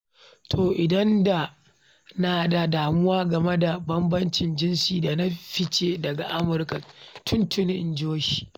To, idan da na damu game da bambancin jinsi da na fice daga Amurka tun tuni," inji shi.